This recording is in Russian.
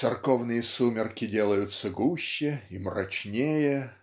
церковные сумерки делаются гуще и мрачнее